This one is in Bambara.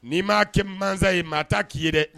N'i maa kɛ masa ye maa ta k'i ye dɛ